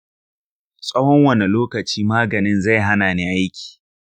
tsawon wane lokaci maganin zai hana ni aiki?